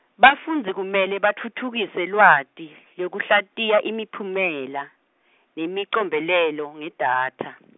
bafundzi kumele batfutfukise lwati, lwekuhlatiya imiphumela, nemicombelelo, ngedatha.